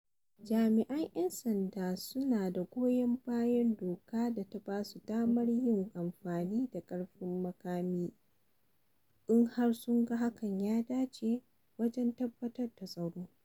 Jami'an 'yan sanda su na da goyon bayan doka da ta ba su damar yin amfani da ƙarfin makami in har sun ga hakan ya dace wajen tabbatar da tsaro.